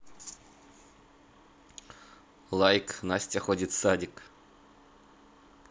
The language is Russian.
лайк настя ходит в садик